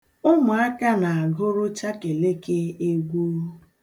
Ụmụaka na-agụrụ chakeleke egwu.